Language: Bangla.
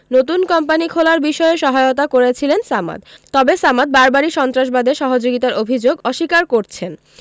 নতুন কোম্পানি খোলার বিষয়ে সহায়তা করেছিলেন সামাদ তবে সামাদ বারবারই সন্ত্রাসবাদে সহযোগিতার অভিযোগ অস্বীকার করছেন